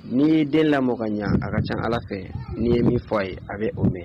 N'i ye den la mɔgɔ ɲɛ a ka ca ala fɛ n'i ye min fɔ a ye a bɛ o mɛn